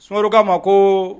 Sumaworo'a ma ko